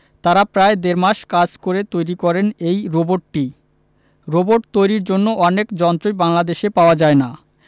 তারা প্রায় দেড় মাস কাজ করে তৈরি করেন এই রোবটটি রোবট তৈরির জন্য অনেক যন্ত্রই বাংলাদেশে পাওয়া যায় না